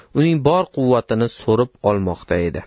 uning bor quvvatini so'rib olmoqda edi